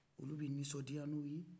olu bɛ nisɔndiya n'o ye